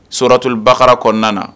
Soratuli bara kɔnɔna na